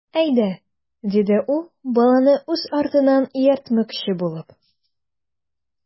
Әйдә,— диде ул, баланы үз артыннан ияртмөкче булып.